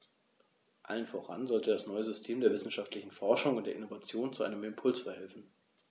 Allem voran sollte das neue System der wissenschaftlichen Forschung und der Innovation zu einem Impuls verhelfen.